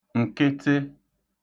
ǹkịtị